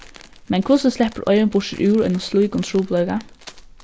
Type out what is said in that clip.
men hvussu sleppur ein burtur úr einum slíkum trupulleika